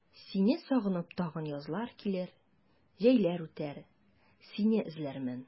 Сине сагынып тагын язлар килер, җәйләр үтәр, сине эзләрмен.